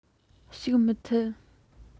ཞུགས མི ཐུབ